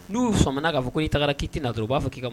N'u sɔmina k'a fɔ k'i taara k'i tɛ na dɔrɔn u b'a fɔ k'i ka